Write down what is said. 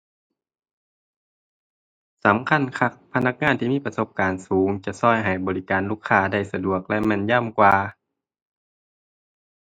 สำคัญคัก พนักงานที่มีประสบการณ์สูง จะช่วยให้บริการลูกค้าได้สะดวกและแม่นยำกว่า